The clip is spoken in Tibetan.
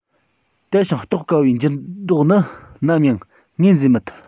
དལ ཞིང རྟོགས དཀའ བའི འགྱུར ལྡོག ནི ནམ ཡང ངོས འཛིན མི ཐུབ